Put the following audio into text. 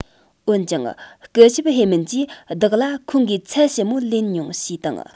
འོན ཀྱང སྐུ ཞབས ཧེ མན གྱིས བདག ལ ཁོང གིས ཚད ཞིབ མོ ལེན མྱོང ཞེས དང